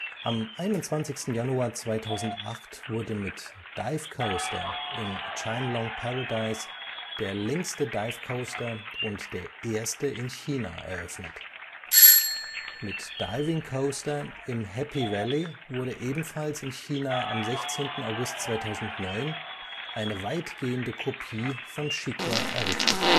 Am 21. Januar 2008 wurde mit Dive Coaster im Chimelong Paradise der längste Dive Coaster und der erste in China eröffnet. Mit Diving Coaster im Happy Valley wurde ebenfalls in China am 16. August 2009 eine weitgehende Kopie von SheiKra errichtet